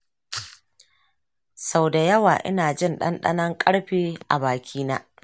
sau da yawa ina jin ɗanɗanon ƙarfe a baki na.